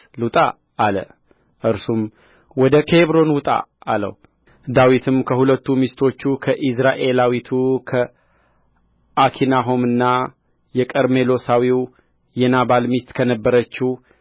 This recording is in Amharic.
ልውጣ አለ እርሱም ወደ ኬብሮን ውጣ አለው ዳዊትም ከሁለቱ ሚስቶቹ ከኢይዝራኤላዊቱ ከአኪናሆምና የቀርሜሎሳዊው የናባል ሚስት ከነበረችው